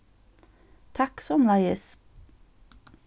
takk somuleiðis